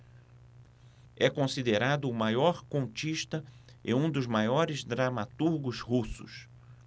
é considerado o maior contista e um dos maiores dramaturgos russos